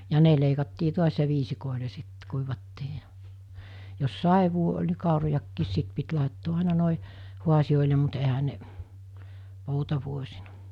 ja ne leikattiin taas ja viisikoille sitten kuivattiin ja jos sadevuosi oli niin kaurojakin sitten piti laittaa aina noin haasioille mutta eihän ne poutavuosina